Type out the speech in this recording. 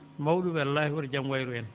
mawɗum wallaahi wata jam wayru en